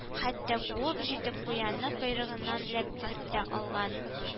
Хәтта куып җитеп куянны койрыгыннан эләктереп тә алган